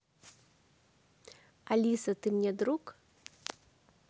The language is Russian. алиса ты мне друг